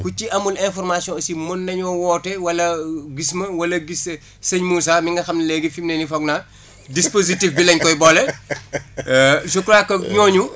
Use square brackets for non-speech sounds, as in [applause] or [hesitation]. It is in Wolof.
ku ci amul information aussi mun nañoo woote wala [hesitation] gis ma wala gis sëñ Moussa mi nga xam ne léegi fi mu ne nii foog naa [laughs] dispositif bi lañ koy boole [laughs] [hesitation] je crois que ñooñu